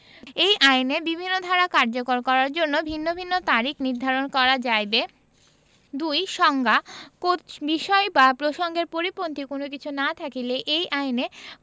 এই আইনের বিভিন্ন ধারা কার্যকর করার জন্য ভিন্ন ভিন্ন তারিখ নির্ধারণ করা যাইবে ২ সংজ্ঞাঃ বিষয় বা প্রসংগের পরিপন্থী কোন কিছু না থাকিলে এই আইনেঃ